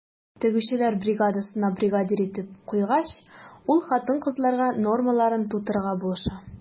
Тегүчеләр бригадасына бригадир итеп куйгач, ул хатын-кызларга нормаларын тутырырга булыша.